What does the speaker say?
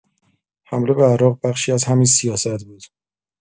حمله به عراق بخشی از همین سیاست بود.